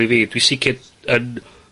i fi. Dwi sicr yn